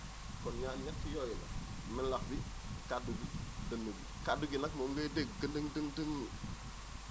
kon ñaar ñett yooyu la melax bi kaddu gi dënnu bi kaddu gi nag moom ngay dégg këndëng dëng dëng